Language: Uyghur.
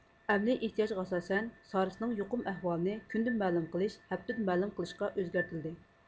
ئەمەلىي ئېھتىياجغا ئاساسەن سارسنىڭ يۇقۇم ئەھۋالىنى كۈندە مەلۇم قىلىش ھەپتىدە مەلۇم قىلىشقا ئۆزگەرتىلدى